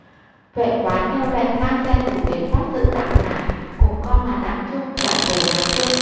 vệ quán theo lệnh mang xe tù đến bắt giữ đặng ngải cùng con là đặng trung giải về lạc dương